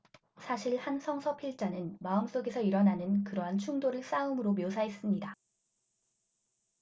사실 한 성서 필자는 마음속에서 일어나는 그러한 충돌을 싸움으로 묘사했습니다